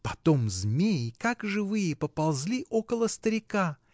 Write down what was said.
Потом змеи, как живые, поползли около старика!